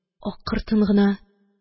Акыртын гына